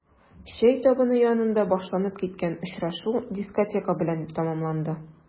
Чәй табыны янында башланып киткән очрашу дискотека белән тәмамланды.